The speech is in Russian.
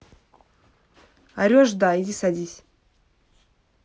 орешь да иди садись